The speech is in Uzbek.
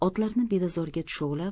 otlarni bedazorga tushovlab